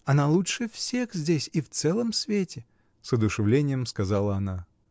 Она лучше всех здесь и в целом свете! — с одушевлением сказала она.